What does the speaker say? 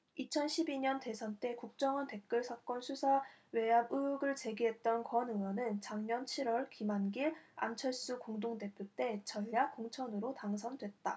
이천 십 이 년 대선 때 국정원 댓글 사건 수사 외압 의혹을 제기했던 권 의원은 작년 칠 월 김한길 안철수 공동대표 때 전략 공천으로 당선됐다